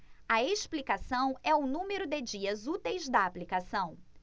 a explicação é o número de dias úteis da aplicação